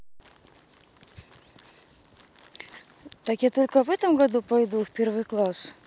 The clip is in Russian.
так я только в этом году пойду в первый класс